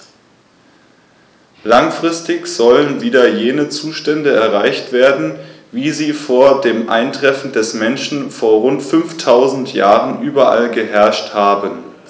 Langfristig sollen wieder jene Zustände erreicht werden, wie sie vor dem Eintreffen des Menschen vor rund 5000 Jahren überall geherrscht haben.